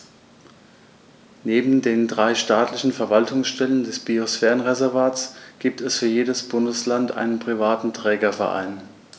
Neben den drei staatlichen Verwaltungsstellen des Biosphärenreservates gibt es für jedes Bundesland einen privaten Trägerverein.